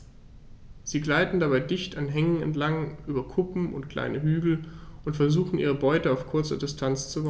Sie gleiten dabei dicht an Hängen entlang, über Kuppen und kleine Hügel und versuchen ihre Beute auf kurze Distanz zu überraschen.